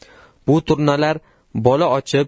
bu turnalar bola ochib